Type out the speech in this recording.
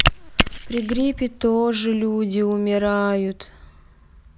при гриппе тоже люди умирают